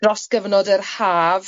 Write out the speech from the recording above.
...dros gyfnod yr haf.